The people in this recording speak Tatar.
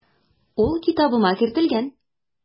Ул китабыма кертелгән.